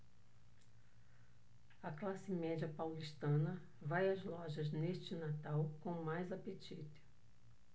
a classe média paulistana vai às lojas neste natal com mais apetite